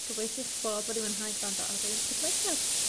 ..gobeithio'ch bod wedi mwynhau grando ar ein podlediad.